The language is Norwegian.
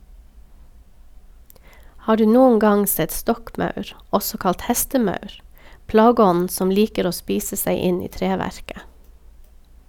Har du noen gang sett stokkmaur, også kalt hestemaur, plageånden som liker å spise seg inn i treverket?